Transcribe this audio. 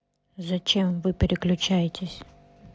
зачем вы переключаетесь